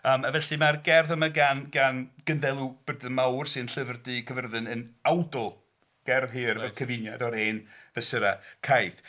Ymm felly mae'r gerdd yma gan... gan... Gynddelw Brydydd Mawr sy'n Llyfr Du Caerfyrddin yn awdl, gerdd hir o'r cyfuniad o'r hen fesurau caeth